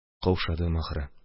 Каушадым, ахры